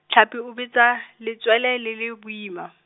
Tlhapi o betsa, letswele le le boima.